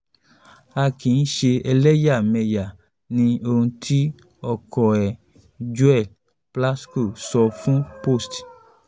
A kì í ṣe ẹlẹ́yàmẹyà,” ni ohun ti ọkọ ẹ̀, Joel Plasco sọ fún Post.